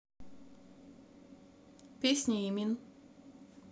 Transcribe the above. песни emin